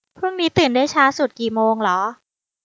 พรุ่งนี้ตื่นได้ช้าสุดกี่โมงเหรอ